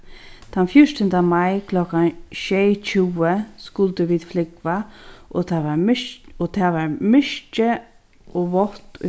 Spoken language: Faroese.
tann fjúrtanda mai klokkan sjey tjúgu skuldu vit flúgva og tað var myrkt og tað var og vátt